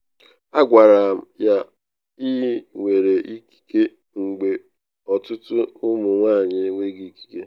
Agwara ya, “ị nwere ikike mgbe ọtụtụ ụmụ nwanyị enweghị ikike.””